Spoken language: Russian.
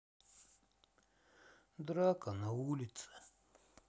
драка на улице